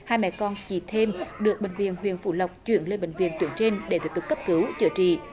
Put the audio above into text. hai mẹ con chị thêm được bệnh viện huyện phú lộc chuyển lên bệnh viện tuyến trên để tiếp tục cấp cứu chữa trị